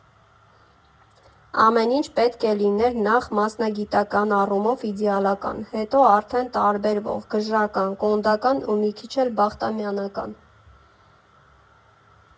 Ամեն ինչ պետք է լիներ նախ մասնագիտական առումով իդեալական, հետո արդեն տարբերվող, գժական, կոնդական ու մի քիչ էլ բախտամյանական։